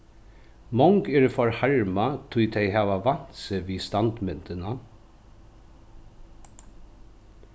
mong eru forharmað tí tey hava vant seg við standmyndina